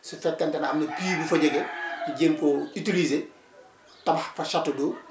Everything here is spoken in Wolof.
su fekkente ne am na puit bu fa jóge ñu jéem koo utiliser tabax fa chateau d' eau